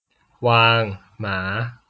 วางหมา